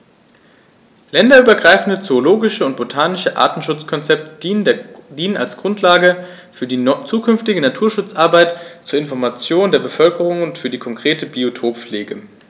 Länderübergreifende zoologische und botanische Artenschutzkonzepte dienen als Grundlage für die zukünftige Naturschutzarbeit, zur Information der Bevölkerung und für die konkrete Biotoppflege.